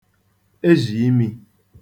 ezhiimi